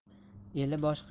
eli boshqa el bo'lmas